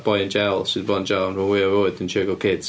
Boi yn jail, sy' 'di bo' yn jail am rhan fwya o'i fywyd yn trio cal kids?